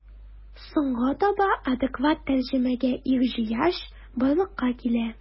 Соңга таба адекват тәрҗемәгә ихҗыяҗ барлыкка килә.